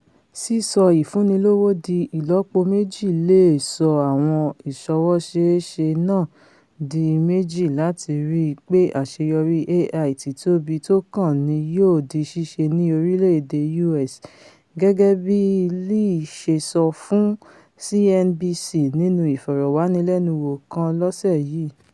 Sísọ ìfúnnilówó dí ìlọ́poméjì leè sọ àwọn ìṣọwọṣéeṣe náà di méjì láti ríi pé àṣeyọrí AI títóbi tókàn ní yóò di ṣíṣe ní orílẹ̀-èdè U.S., gẹ́gẹ́ bíi Lee ṣe sọ fún CNBC nínú ìfọ̀rọ̀wánilẹ́nuwò kan lọ̣́̀sẹ́ yìí.